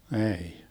ei